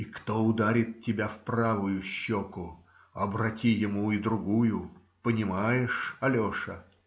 - И кто ударит тебя в правую щеку, обрати ему и другую. Понимаешь, Алеша?